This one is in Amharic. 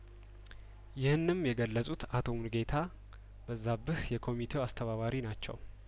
ይህንም የገለጹት አቶ ሙሉጌታ በዛብህ የኮሚቴው አስተባባሪ ናቸው